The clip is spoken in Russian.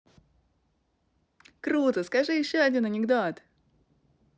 круто скажи еще один анекдот